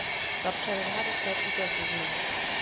Тапшырырга рөхсәт итәсезме? ..